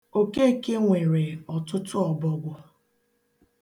Okeke nwere ọtụtụ ọbọgwụ.